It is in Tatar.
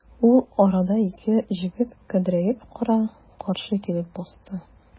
Ул арада ике җегет көдрәеп кара-каршы килеп басты.